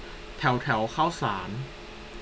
แถวแถวข้าวสาร